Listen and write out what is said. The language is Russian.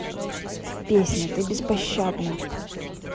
песня ты беспощадна